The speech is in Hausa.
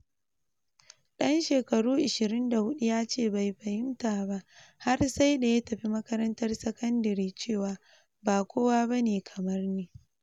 Dan shekaru 24 ya ce bai fahimta ba har sai da ya tafi makarantar sakandare cewa "ba kowa ba ne kamar ni."